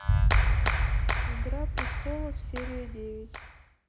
игра престолов серия девять